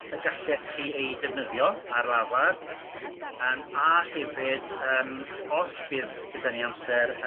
y gallech chi ei defnyddio ar lafar yym a hefyd yym os bydd gyda ni amser yy